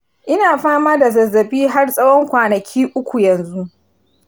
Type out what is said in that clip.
ina fama da zazzabi har tsawon kwanaki uku yanzu.